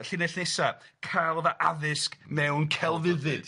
...y llinell nesa, cael fy addysg mewn celfyddyd